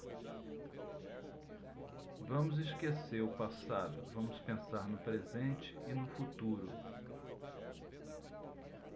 vamos esquecer o passado vamos pensar no presente e no futuro